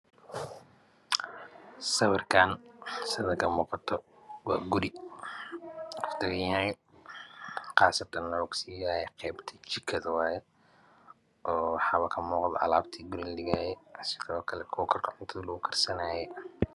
Sawirkan sidakamuqata waaguri haduyahay qasatan waxakasiyahay qeebta jikadawaye owaxkamuqda alabtakuukarka lagukarsanayay